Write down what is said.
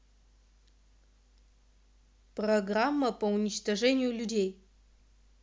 программа по уничтожению людей